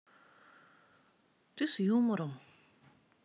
ты с юмором